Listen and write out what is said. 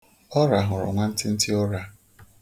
Ọ rahụrụ nwantịntị ụra.